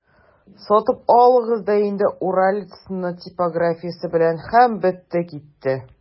Сатып алыгыз да инде «Уралец»ны типографиясе белән, һәм бетте-китте!